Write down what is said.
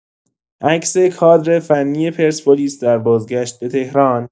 عکس کادرفنی پرسپولیس در بازگشت به تهران